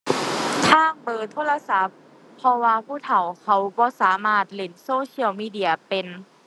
ทางเบอร์โทรศัพท์ เพราะว่าผู้เฒ่าเขาบ่สามารถเล่น social media เป็น